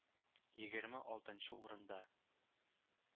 Егерме алтынчы урында...